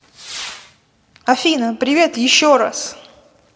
афина привет еще раз